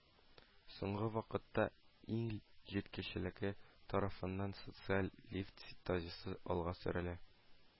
Соңгы вакытта ил җитәкчелеге тарафыннан социаль лифт тезисы алга сөрелә